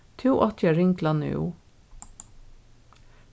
tú átti at ringla nú